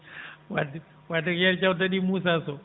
wadde wadde Yaye Diaw daaɗi Moussa Sow